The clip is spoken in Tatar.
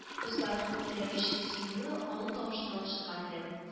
Дусларының бу теләге өчен сөенүе аның тавышына ук чыккан иде